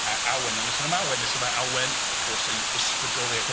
A Awen, wnawn ni sôn am Awen nes ymlaen. Awen wrth gwrs yw ysbrydoliaeth y...